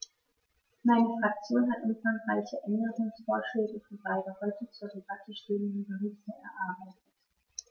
Meine Fraktion hat umfangreiche Änderungsvorschläge für beide heute zur Debatte stehenden Berichte erarbeitet.